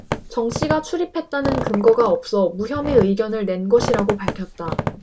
정씨가 출입했다는 증거가 없어 무혐의 의견을 낸 것이라고 밝혔다